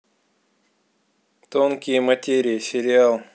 тонкие материи сериал